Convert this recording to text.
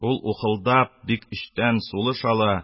Ул ухылдап бик эчтән сулыш ала,